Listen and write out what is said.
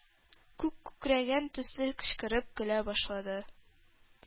Күк күкрәгән төсле кычкырып көлә башлады.